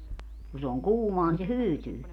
kun se on kuumaa niin se hyytyy